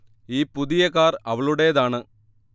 ഈ പുതിയ കാർ അവളുടെതാണ്